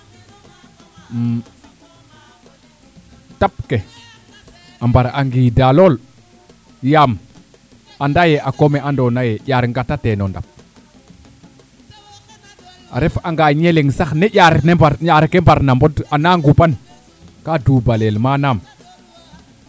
tap ke a mbar'a ngiida lool yaam anda ye a koomala ando naye ñaar ngata te no ndap a ref anga ñeleng sax ƴaar ke mbarna mbod ananga ngupan ka tubalele manaam